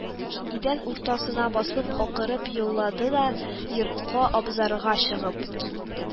Идән уртасына басып акырып елады да, йортка-абзарга чыгып китте